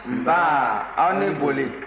nba aw ni boli